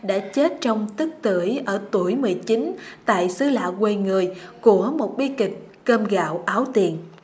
đã chết trong tức tưởi ở tuổi mười chín tại xứ lạ quê người của một bi kịch cơm gạo áo tiền